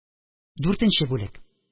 Дүртенче бүлек